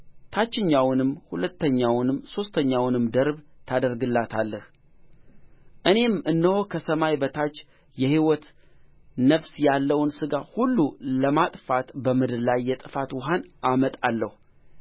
ለመርከቢቱም መስኮትን ታደርጋለህ ከቁመትዋም ክንድ ሙሉ ትተህ ጨርሳት የመርከቢቱንም በር በጎንዋ አድርግ